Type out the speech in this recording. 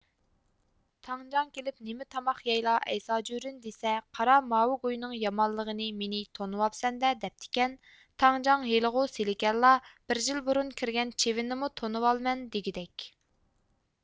تاڭجاڭ كېلىپ نىمە تاماق يەيلا ئەيساجۈرۈن دېسە قارا ماۋۇ گۇينىڭ يامانلقىنى مېنى تونىۋاپسەندە دەپتىكەن تاڭجاڭ ھېلىغۇ سېلىكەنلا بىر يىل بۇرۇن كىرگەن چىۋىننىمۇ تونىۋالىمەن دىگۈدەك